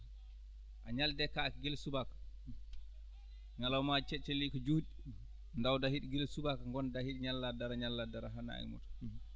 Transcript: a ñallidii e kaake gila subaka ñalawmaaji ceccele ko juɗɗi ndawda heɗi gila subaka ngonndaa heen ñallaa daro ñallaa daro haa naange muta